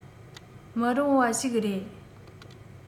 མི རུང བ ཞིག རེད